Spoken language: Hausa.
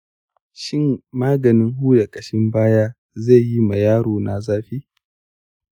shin maganin huda ƙashin bayan zai yi ma yaro na zafi?